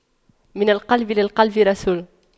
من القلب للقلب رسول